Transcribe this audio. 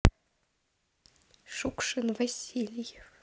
шукшин василий